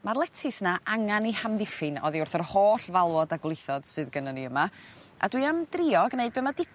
ma'r letys 'na angan 'i hamddiffyn oddi wrth yr holl falwod a gwlithod sydd gynnon ni yma a dwi am drio gneud be' ma'